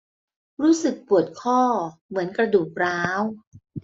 รู้สึกปวดข้อเหมือนกระดูกร้าว